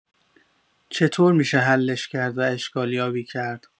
چطور می‌شه حلش کرد و اشکال یابی کرد